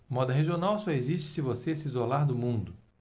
moda regional só existe se você se isolar do mundo